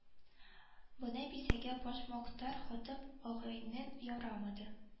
Бына бисәгә башмактар һатып алгайнем яраманы